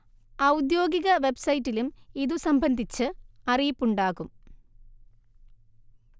ഔദ്യോഗിക വെബ്സൈറ്റിലും ഇതുസംബന്ധിച്ച് അറിയിപ്പുണ്ടാകും